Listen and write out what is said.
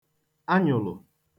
anyụ̀lụ̀